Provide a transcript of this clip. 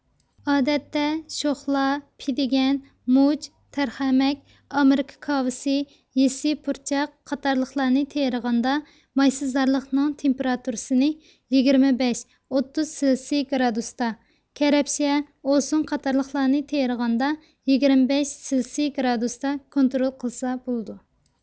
ئادەتتە شوخلا پېدىگەن مۇچ تەرخەمەك ئامېرىكا كاۋىسى يېسسى پۇرچاق قاتارلىقلارنى تېرىغاندا مايسىزارلىقنىڭ تېمپېراتۇرىسىنى يىگىرمە بەش ئوتتۇز سېلتسي گرادۇستا كەرەپشە ئوسۇڭ قاتارلىقلارنى تېرىغاندا يىگىرمە بەش سېلىسىي گرادۇستا كونترول قىلسا بولىدۇ